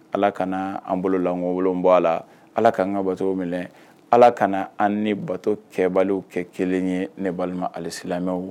Ala kana an bololankɔ wolon bɔ a la ala ka'an ka bato minɛ ala kana an ni bato kɛbali kɛ kelen ye ne walima ali silamɛmɛ